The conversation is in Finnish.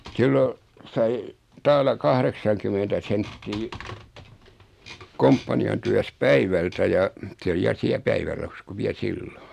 silloin sai taala kahdeksankymmentä senttiä komppanian työssä päivältä ja se oli ja siellä päivärahassa kun vielä silloin